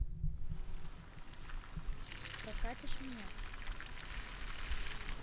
прокатишь меня